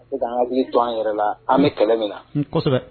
An hakili to an yɛrɛ la an bɛ kɛlɛ min na